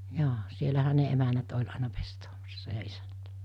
joo siellähän ne emännät oli aina pestaamassa ja isännät